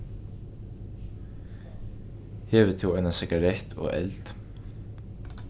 hevur tú eina sigarett og eld